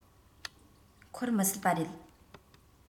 འཁོར མི སྲིད པ རེད